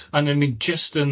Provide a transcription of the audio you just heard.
A oedd e'n mynd jyst yn